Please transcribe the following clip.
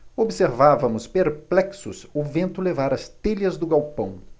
observávamos perplexos o vento levar as telhas do galpão